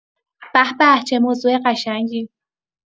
به‌به، چه موضوع قشنگی!